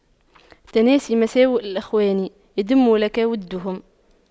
تناس مساوئ الإخوان يدم لك وُدُّهُمْ